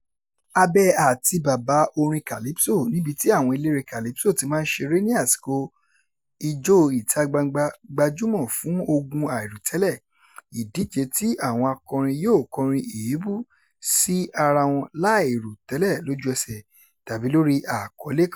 Abẹ́ àtíbàbà orin Calypso, níbi tí àwọn eléré calipso ti máa ń ṣeré ní àsìkò Ijó ìta-gbangba, gbajúmọ̀ fún "ogun àìròtẹ́lẹ̀ ", ìdíje tí àwọn akọrin yóò kọrin èébú sí ara wọn láì rò tẹ́lẹ̀ lójú ẹsẹ̀, tàbí lórí àkọ́lé kan.